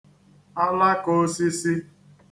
alakaōsīsī